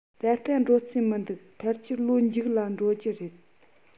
ད ལྟ འགྲོ རྩིས མི འདུག ཕལ ཆེར ལོ མཇུག ལ འགྲོ རྒྱུ རེད